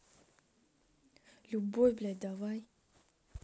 любой блядь давай